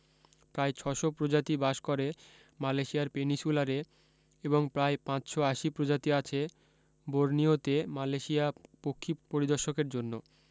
প্রায় ছশো প্রজাতি বাস করে মালয়েশিয়ার পেনিসুলারে এবং প্রায় পাঁচশ আশি প্রজাতি আছে বোরনিওতে মালয়েশিয়া পক্ষী পরিদর্শকদের জন্য